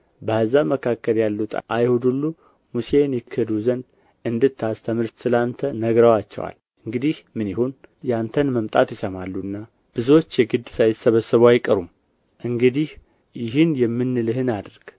በአሕዛብ መካከል ያሉት አይሁድ ሁሉ ሙሴን ይክዱ ዘንድ እንድታስተምር ስለ አንተ ነግረዋቸዋል እንግዲህ ምን ይሁን የአንተን መምጣት ይሰማሉና ብዙዎች የግድ ሳይሰበሰቡ አይቀሩም እንግዲህ ይህን የምንልህን አድርግ